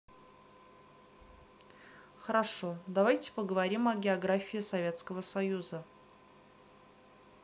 хорошо давайте поговорим о географии советского союза